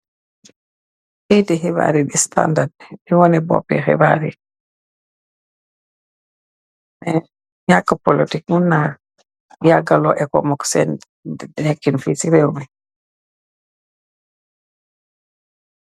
Kayiti xibary bi standard, di wone boppi xibari ne ñakk polotik mu naa yaggaloo ekomok seen nekkin fii ci réew mi.